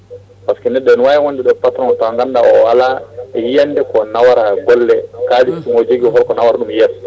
par ce que neɗɗo o ne wawi wonde ɗo patron taw ganduɗa o ala yiyande ko nawra golle kalis mo jogui o ko nawra vum yeeso